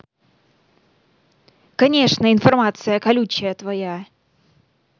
конечно информация колючая твоя